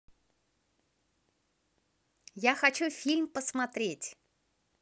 я хочу фильм посмотреть